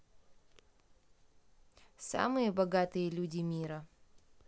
самые богатые люди мира